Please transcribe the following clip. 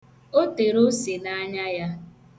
O tere ose n'anya ya.